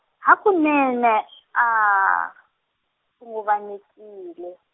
hakunene a, khunguvanyekile.